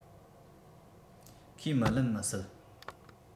ཁས མི ལེན མི སྲིད